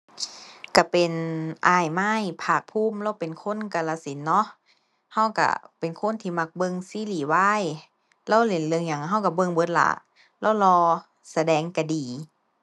ก็เป็นอ้ายมาย ภาคภูมิ เลาเป็นคนกาฬสินธุ์เนาะ ก็ก็เป็นคนที่มักเบิ่งซีรีส์วาย เลาเล่นเรื่องหยังก็ก็เบิ่งเบิดล่ะ เลาหล่อ แสดงก็ดี